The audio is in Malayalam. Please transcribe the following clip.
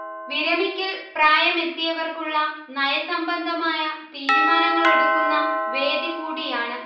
വിരമിക്കൽ പ്രായമെത്തിയവർക്കുള്ള നയസംബന്ധമായ തീരുമാനങ്ങളെടുക്കുന്ന വേദി കൂടിയാണ്